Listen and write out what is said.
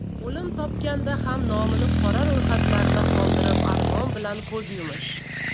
o'lim topganda ham nomini qora ro'yxatlarda qoldirib armon bilan ko'z yumish